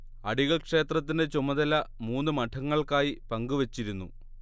അടികൾ ക്ഷേത്രത്തിൻറെ ചുമതല മൂന്ന് മഠങ്ങൾക്കായി പങ്കുവച്ചിരുന്നു